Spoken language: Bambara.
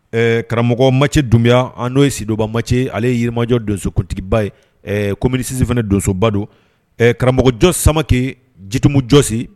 Ɛ karamɔgɔ macɛ dunbiya an' ye sidonbamacɛ ale ye yirimajɔ donsokuntigiba ye kom minisi fana donsoba don ɛ karamɔgɔjɔ samabakɛ jitumujɔsi